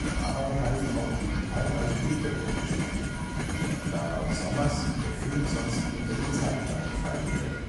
Dabei half auch die detailreiche Hintergrundgeschichte, da laut Sommers der Film sonst hinter den Zeitplan gefallen wäre